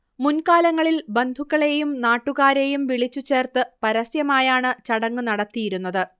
മുൻകാലങ്ങളിൽ ബന്ധുക്കളെയും നാട്ടുകാരെയും വിളിച്ചുചേർത്തു പരസ്യമായാണ് ചടങ്ങ് നടത്തിയിരുന്നത്